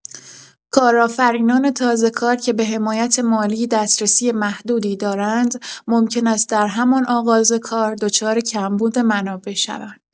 کارآفرینان تازه‌کار که به حمایت مالی دسترسی محدودی دارند، ممکن است در همان آغاز کار دچار کمبود منابع شوند.